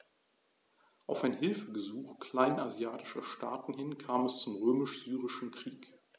Auf ein Hilfegesuch kleinasiatischer Staaten hin kam es zum Römisch-Syrischen Krieg.